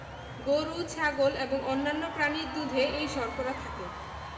গরু ছাগল এবং অন্যান্য প্রাণীর দুধে এই শর্করা থাকে